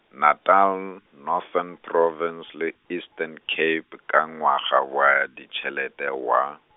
Natal, Northern Province le Eastern Cape ka ngwaga wa ditšhelete wa.